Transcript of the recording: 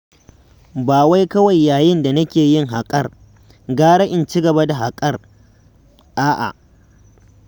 Ba wai kawai yayin da nake yin haƙar, gara in cigaba da haƙar, a'a.